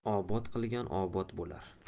obod qilgan obod bo'lar